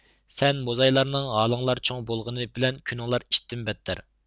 سەن موزايلارنىڭ ھالىڭلار چوڭ بولغىنى بىلەن كۈنۈڭلار ئىتتىن بەتتەر